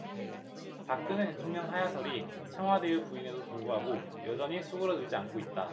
박근혜 대통령 하야설이 청와대의 부인에도 불구하고 여전히 수그러들지 않고 있다